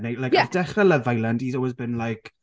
neu, like... ie... ar dechrau Love Island, he's always been like...